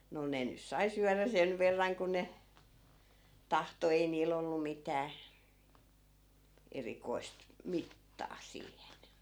no ne nyt sai syödä sen verran kuin ne tahtoi ei niillä ollut mitään erikoista mittaa siihen